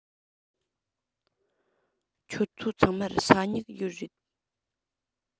ཁྱོད ཚོ ཚང མར ས སྨྱུག ཡོད རེད